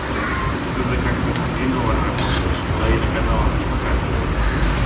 что ты как то хреново работаешь половина каналов не показывает